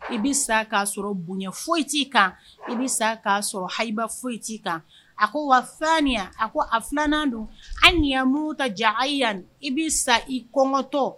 I bɛ sa k'a sɔrɔ bonyayan foyi t'i kan i bɛ sa k'a sɔrɔ haba foyi t' kan a ko wa fɛnani a ko a filanan don an ni yamu ta diya a yan i bɛ sa i kɔngɔtɔ